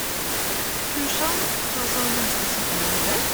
Kursene tas av mennesker som er i arbeid.